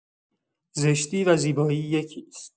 زشتی و زیبایی یکی است.